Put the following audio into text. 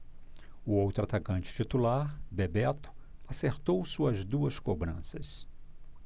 o outro atacante titular bebeto acertou suas duas cobranças